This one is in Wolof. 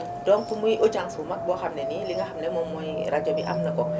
donc muy audience bu mag boo xam ne ni li nga xam ne moom mooy rajo bi am na ko